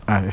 aaye